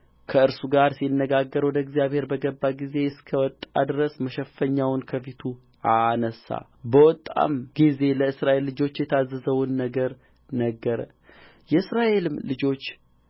ከእርሱ ጋር ሲነጋገር ወደ እግዚአብሔር በገባ ጊዜ እስኪ ወጣ ድረስ መሸፈኛውን ከፊቱ አነሣ በወጣም ጊዜ ለእስራኤል ልጆች የታዘዘውን ነገር ነገረ የእስራኤልም ልጆች